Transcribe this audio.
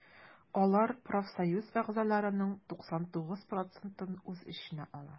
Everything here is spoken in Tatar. Алар профсоюз әгъзаларының 99 процентын үз эченә ала.